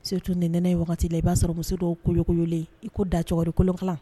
Surtout nin nɛnɛ nin wagati la i b'a sɔrɔ muso dɔw koyokoyolen i ko da cɔgɔri kolonkalan